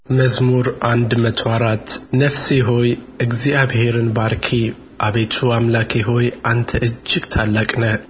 መዝሙር መቶ አራት ነፍሴ ሆይ እግዚአብሔርን ባርኪ አቤቱ አምላኬ ሆይ አንተ እጅግ ታላቅ ነህ